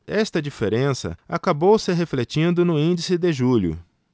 esta diferença acabou se refletindo no índice de julho